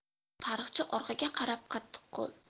tarixchi orqaga qarab qattiqqo'l